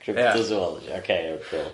Tribute to Zoology ok cool.